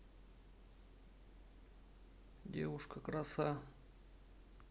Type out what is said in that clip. девушка краса